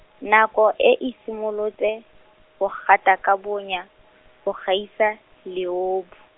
nako e e simolotse, go gata ka bonya, go gaisa, leobu.